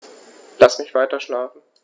Lass mich weiterschlafen.